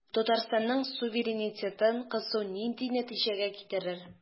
Татарстанның суверенитетын кысу нинди нәтиҗәгә китерер?